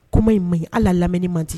Kuma in ma ɲi halli a lamɛni man di